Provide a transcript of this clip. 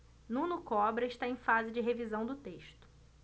nuno cobra está em fase de revisão do texto